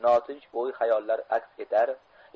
notinch o'y hayollar aks etar